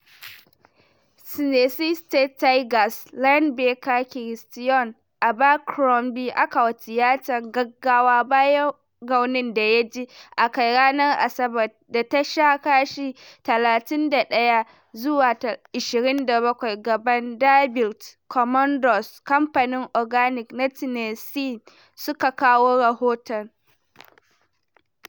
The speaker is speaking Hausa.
Tennessee State Tigers linebacker Christion Abercrombie aka wa tiyata gaggawa bayan raunin da ya ji a kai ranar Asabar da ta sha kashi 31-27 ga Vanderbilt Commodores, kamfanin Organic na Tennessean suka kawo rahoton.